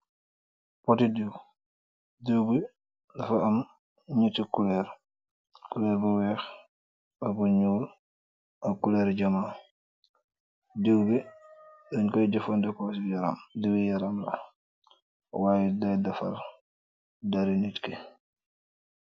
poti diw, diw bi dafa am ñieti kuloor. Kuloor bu weex, mbuba bu ñuul ak kulor I jumuno. Diw bi dañ koy jëfandeko si diw i yaram la, waay dafay defar deri nit ki.